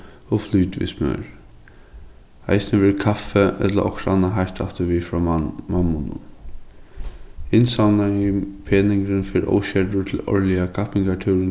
og flute við smør eisini verður kaffi ella okkurt annað heitt afturvið frá mammunum innsavnaði peningurin fer óskerdur til árliga kappingartúrin